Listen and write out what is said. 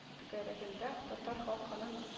Түгәрәгендә: татар халкының